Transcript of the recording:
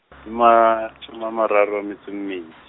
mashome a mararo a metso e mme .